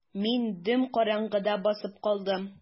Мин дөм караңгыда басып калдым.